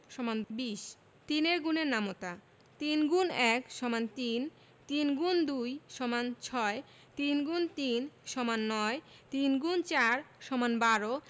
= ২০ ৩ এর গুণের নামতা ৩ X ১ = ৩ ৩ X ২ = ৬ ৩ × ৩ = ৯ ৩ X ৪ = ১২